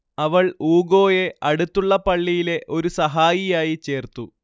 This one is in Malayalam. അവൾ ഊഗോയെ അടുത്തുള്ള പള്ളിയിലെ ഒരു സഹായിയായി ചേർത്തു